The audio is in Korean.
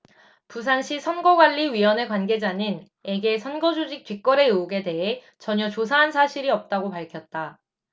부산시선거관리위원회 관계자는 에게 선거조직 뒷거래의혹에 대해 전혀 조사한 사실이 없다고 밝혔다